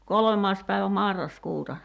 kolmas päivä marraskuuta